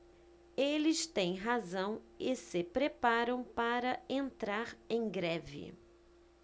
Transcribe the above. eles têm razão e se preparam para entrar em greve